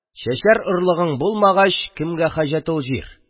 Чәчәр орлыгың булмагач, кемгә хәҗәт ул җир?